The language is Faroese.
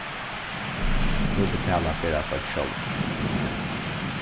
nú betala ferðafólk sjálvi